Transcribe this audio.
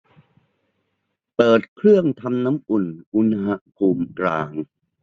เปิดเครื่องทำน้ำอุ่นอุณหภูมิกลาง